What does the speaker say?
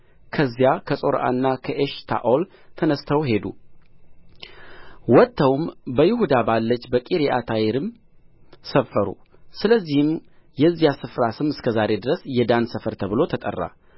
ከዚያ ከጾርዓና ከኤሽታኦል ተነሥተው ሄዱ ወጥተውም በይሁዳ ባለችው በቂርያትይዓሪም ሰፈሩ ስለዚህም የዚያ ስፍራ ስም እስከ ዛሬ ድረስ የዳን ሰፈር ተብሎ ተጠራ